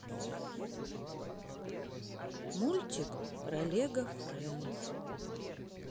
мультик лего френдс